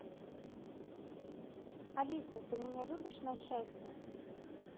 алиса ты меня любишь на счастье